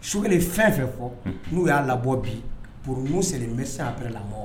Choguel yr fɛn o fɛn fɔ, n'u y'a labɔ bi pour nous c'est le médecin après la mort